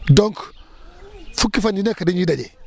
donc fukki fan yu nekk dañuy daje